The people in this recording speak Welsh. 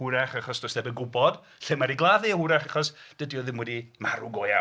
Hwyrach achos does neb yn gwybod lle mae 'di gladdu. Hwyrach achos dydi o ddim wedi marw go iawn.